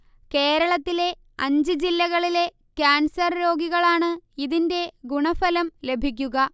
കേരളത്തിലെ അഞ്ച് ജില്ലകളിലെ കാൻസർ രോഗികളാണ് ഇതിന്റെ ഗുണഫലം ലഭിക്കുക